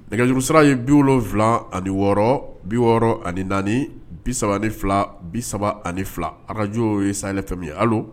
Nɛgɛjurusa ye bi wolonwula ani wɔɔrɔ bi wɔɔrɔ ani naani bi3 ni fila bi3 ani fila arajo ye sa fɛ hali